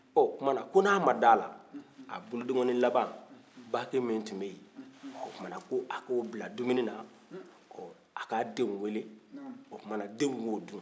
ɔ o tuma na ko n'a ma da a la a bolodenkɔnin laban baki min tun bɛ yen o tuma na ko a ko bila dumuni na ɔ a ka a denw wele o tuma na denw k'o dun